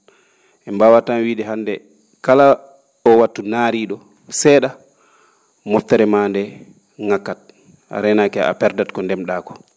en mbaawat tan wiide hannde kala oo wattu naarii?o see?a moftere maa ndee ?akkat a reenaaki han a perdat ko ndem?aa koo